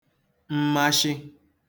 mmashị